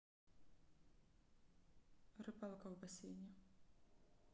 рыбалка в бассейне